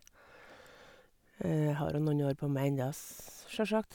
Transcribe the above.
Jeg har jo noen år på meg enda, s sjølsagt.